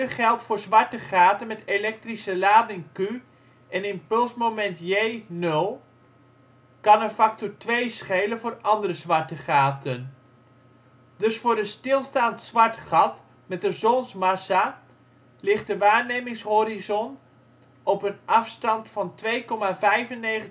geldt voor zwarte gaten met elektrische lading Q en impulsmoment J nul (kan een factor 2 schelen voor andere zwarte gaten). Dus voor een stilstaand zwart gat met een zonsmassa ligt de waarnemingshorizon op een afstand van 2,95